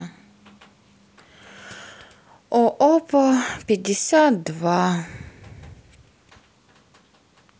оопо пятьдесят два